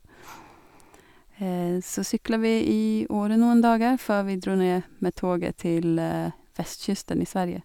Så sykla vi i Åre noen dager før vi dro ned med toget til vestkysten i Sverige.